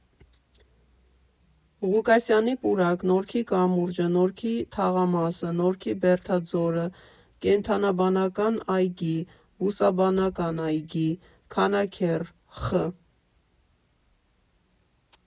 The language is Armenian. Ղուկասյանի պուրակ ֊ Նորքի կամուրջը ֊ Նորքի թաղամասը ֊ Նորքի բերդաձորը ֊ Կենդանաբանական այգի ֊ Բուսաբանական այգի ֊ Քանաքեռ ֊ Խ.